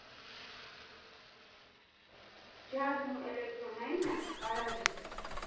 Ջազն ու էլեկտրոնայինը՝ Գարաժում։